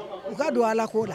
U ka don ala kooda